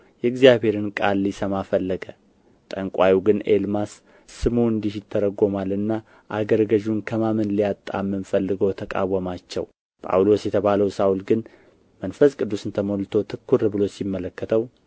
የእግዚአብሔርን ቃል ሊሰማ ፈለገ ጠንቋዩ ግን ኤልማስ ስሙ እንዲሁ ይተረጐማልና አገረ ገዡን ከማመን ሊያጣምም ፈልጎ ተቃወማቸው ጳውሎስ የተባለው ሳውል ግን መንፈስ ቅዱስን ተሞልቶ ትኵር ብሎ ሲመለከተው